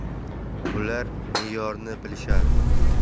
bular me'yorni bilishadi